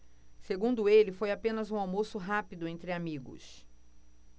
segundo ele foi apenas um almoço rápido entre amigos